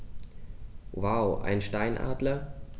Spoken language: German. Wow! Einen Steinadler?